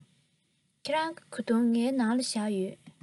ཁྱེད རང གི གོས ཐུང ངའི ནང ལ བཞག ཡོད